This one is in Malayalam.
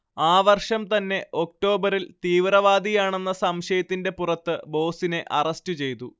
ആ വർഷം തന്നെ ഒക്‌ടോബറിൽ തീവ്രവാദിയാണെന്ന സംശയത്തിന്റെ പുറത്ത് ബോസിനെ അറസ്റ്റ് ചെയ്തു